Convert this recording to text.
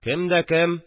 Кем дә кем